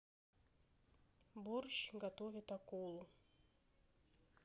борщ готовит акулу